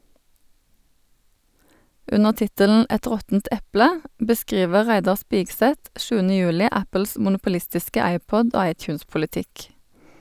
Under tittelen "Et råttent eple" beskriver Reidar Spigseth 7. juli Apples monopolistiske iPod- og iTunes-politikk.